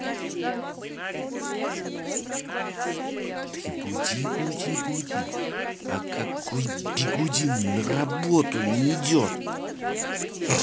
ты буди буди буди а какой бигуди на работу не идет